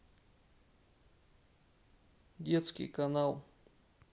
детский канал